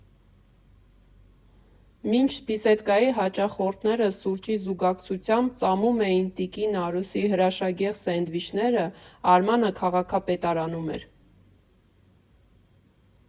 Մինչ «Բիսեդկայի» հաճախորդները սուրճի զուգակցությամբ ծամում էին տիկին Արուսի հրաշագեղ սենդվիչները, Արմանը քաղաքապետարանում էր։